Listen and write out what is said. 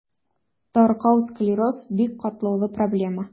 Таркау склероз – бик катлаулы проблема.